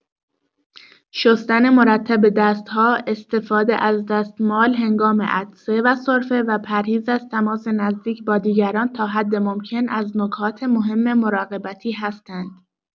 شستن مرتب دست‌ها، استفاده از دستمال هنگام عطسه و سرفه، و پرهیز از تماس نزدیک با دیگران تا حد ممکن از نکات مهم مراقبتی هستند.